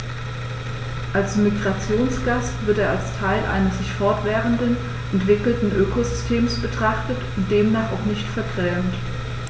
Als Migrationsgast wird er als Teil eines sich fortwährend entwickelnden Ökosystems betrachtet und demnach auch nicht vergrämt.